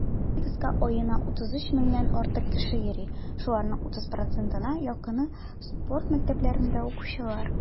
Комплекска аена 33 меңнән артык кеше йөри, шуларның 30 %-на якыны - спорт мәктәпләрендә укучылар.